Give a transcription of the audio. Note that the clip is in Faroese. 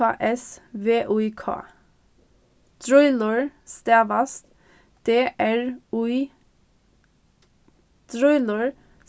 k s v í k drýlur stavast d r í drýlur